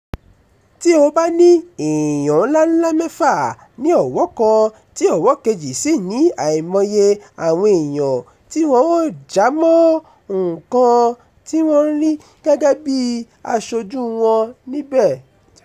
Tí o bá ní èèyàn ńláńlá mẹ́fà ní ọwọ́ kan, tí ọwọ́ kejì sì ní àìmọye àwọn èèyàn tí wọn ò jámọ́ nǹkan tí wọ́n ń rí mi gẹ́gẹ́ bí aṣojú wọn níbẹ̀.